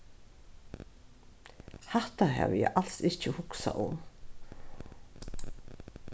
hatta havi eg als ikki hugsað um